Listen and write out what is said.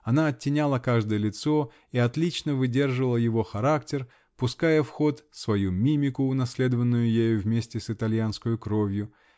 Она оттеняла каждое лицо и отлично выдерживала его характер, пуская в ход свою мимику, унаследованную ею вместе с итальянскою кровью